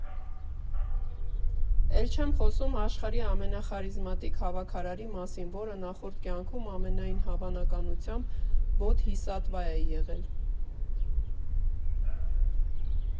Էլ չեմ խոսում աշխարհի ամենախարիզմատիկ հավաքարարի մասին, որը նախորդ կյանքում ամենայն հավանականությամբ բոդհիսատվա է եղել։